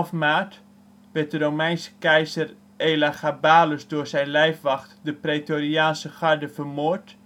maart - Romeinse keizer Elagabalus door zijn lijfwacht, de praetoriaanse garde, vermoord